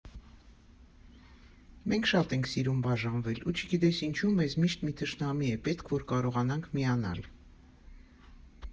Մենք շատ սիրում ենք բաժանվել, ու չգիտես՝ ինչու մեզ միշտ մի թշնամի է պետք, որ կարողանանք միանալ։